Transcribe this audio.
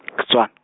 -etswan-.